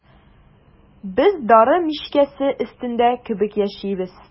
Без дары мичкәсе өстендә кебек яшибез.